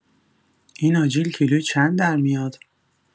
این آجیل کیلویی چند در می‌آد؟